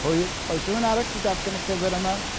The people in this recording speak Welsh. Pwy b- oes rhywun arall 'di darllen y llyfr yma?